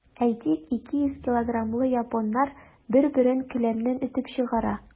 Әйтик, 200 килограммлы японнар бер-берен келәмнән этеп чыгара.